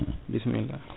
bisimilla